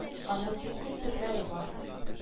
Аның бик күп төрләре бар